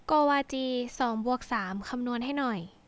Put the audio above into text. โกวาจีสองบวกสามคำนวณให้หน่อย